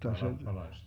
vai lappalaisten